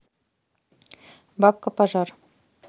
бабка пожар